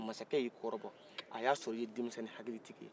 masakɛ y'i kɔrɔbɔ a y'a sɔrɔ e ye denmisɛnninhakilitigi ye